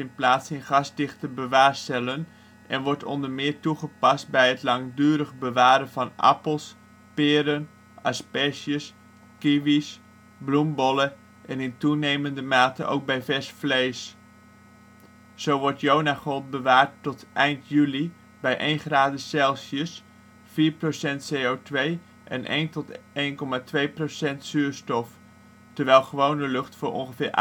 plaats in gasdichte bewaarcellen en wordt onder meer toegepast bij het langdurig bewaren van appels, peren, asperges, kiwi 's, bloembollen en in toenemende mate ook bij vers vlees. Zo wordt Jonagold bewaard tot eind juli bij 1°C, 4 % CO2 en 1 tot 1,2 % O2, terwijl gewone lucht voor ongeveer